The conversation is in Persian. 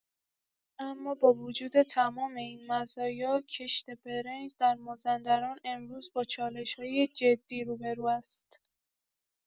اما با وجود تمام این مزایا، کشت برنج در مازندران امروز با چالش‌های جدی روبه‌رو است.